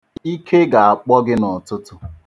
Ike gà-àkpọ gì n'ụ̀tụtụ̀.